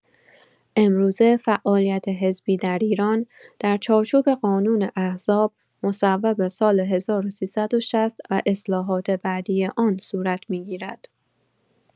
امروزه فعالیت حزبی در ایران در چارچوب قانون احزاب مصوب سال ۱۳۶۰ و اصلاحات بعدی آن صورت می‌گیرد.